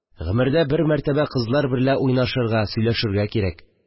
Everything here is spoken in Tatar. Гомердә бер мәртәбә кызлар берлә уйнашырга, сөйләшергә кирәк